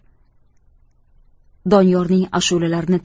doniyorning ashulalarini